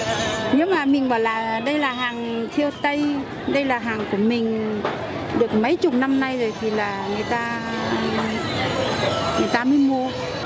nếu mà mình bảo là đây là hàng thêu tây đây là hàng của mình được mấy chục năm nay rồi thì là người ta người ta mới mua